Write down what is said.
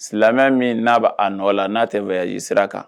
Silamɛ min n'a bɛ a nɔ la, n'a tɛ voyage sira kan.